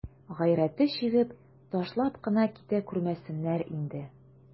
Гайрәте чигеп, ташлап кына китә күрмәсеннәр инде.